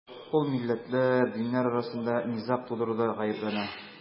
Ул милләтләр, диннәр арасында низаг тудыруда гаепләнә.